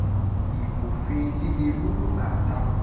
Ìfòfinlíle mú àtakò